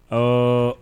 Ɔ